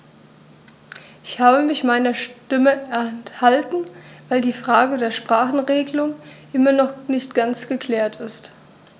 Ich habe mich meiner Stimme enthalten, weil die Frage der Sprachenregelung immer noch nicht ganz geklärt ist.